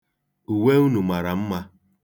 Uwe unu mara mma.